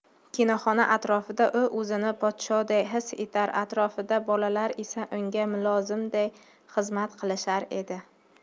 kinoxona atrofida u o'zini podshoday his etar atrofidagi bolalar esa unga mulozimday xizmat qilishar edi